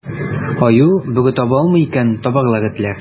Аю, бүре таба алмый икән, табарлар этләр.